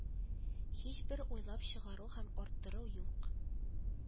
Һичбер уйлап чыгару һәм арттыру юк